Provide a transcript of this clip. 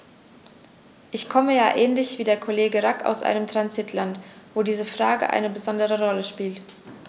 Ich komme ja ähnlich wie der Kollege Rack aus einem Transitland, wo diese Frage eine besondere Rolle spielt.